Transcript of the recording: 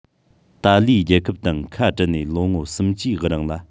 ཏཱ ལའི རྒྱལ ཁབ དང ཁ བྲལ ནས ལོ ངོ སུམ ཅུའི རིང ལ